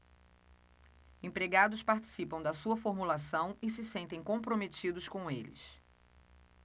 empregados participam da sua formulação e se sentem comprometidos com eles